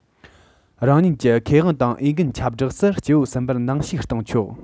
རང ཉིད ཀྱི ཁེ དབང དང འོས འགན ཆབས སྦྲགས སུ སྐྱེ བོ གསུམ པར ནང བཤུག བཏང ཆོག